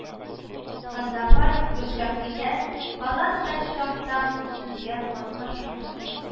Ханзафаров Гөлшәһидә палатада чакта сүзгә катнашмады